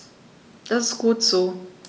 Das ist gut so.